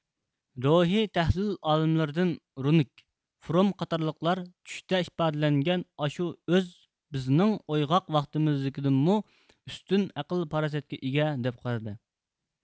روھىي تەھلىل ئالىملىرىدىن رۇنگ فروم قاتارلىقلار چۈشتە ئىپادىلەنگەن ئاشۇ ئۆز بىزنىڭ ئويغاق ۋاقتىمىزدىكىدىنمۇ ئۈستۈن ئەقىل پاراسەتكە ئىگە دەپ قارىدى